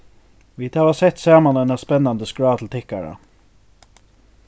vit hava sett saman eina spennandi skrá til tykkara